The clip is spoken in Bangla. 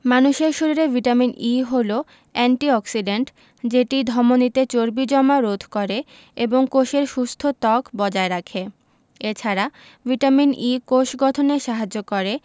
মানুষের শরীরে ভিটামিন E হলো এন্টি অক্সিডেন্ট যেটি ধমনিতে চর্বি জমা রোধ করে এবং কোষের সুস্থ ত্বক বজায় রাখে এ ছাড়া ভিটামিন E কোষ গঠনে সাহায্য করে